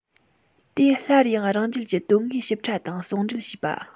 དེ སླར ཡང རང རྒྱལ གྱི དོན དངོས ཞིབ ཕྲ དང ཟུང འབྲེལ བྱས བ